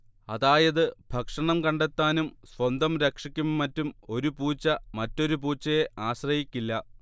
അതായത് ഭക്ഷണം കണ്ടെത്താനും സ്വന്തം രക്ഷയ്ക്കും മറ്റും ഒരു പൂച്ച മറ്റൊരു പൂച്ചയെ ആശ്രയിക്കില്ല